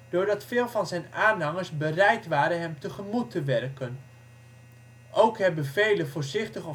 doordat veel van zijn aanhangers bereid waren hem ' tegemoet te werken '. Ook hebben velen voorzichtig